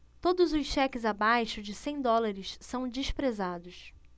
todos os cheques abaixo de cem dólares são desprezados